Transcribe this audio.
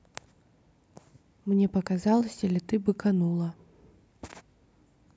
мне показалось или ты быканула